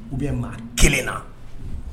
U bɛ maa kelen na